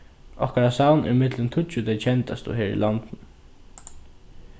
okkara savn er millum tíggju tey kendastu her í landinum